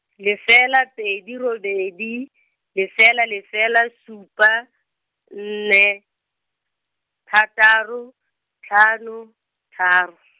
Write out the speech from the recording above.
lefela pedi robedi, lefela lefela supa, nne, thataro, tlhano, tharo .